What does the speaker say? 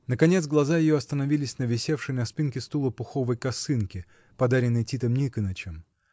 Наконец глаза ее остановились на висевшей на спинке стула пуховой косынке, подаренной Титом Никонычем.